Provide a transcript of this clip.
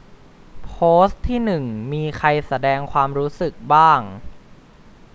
โพสต์ที่หนึ่งมีใครแสดงความรู้สึกบ้าง